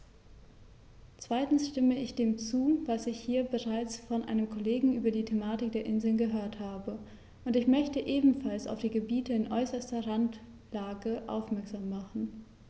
Zweitens stimme ich dem zu, was ich hier bereits von einem Kollegen über die Thematik der Inseln gehört habe, und ich möchte ebenfalls auf die Gebiete in äußerster Randlage aufmerksam machen.